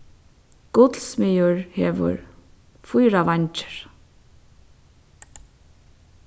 gullsmiður hevur fýra veingir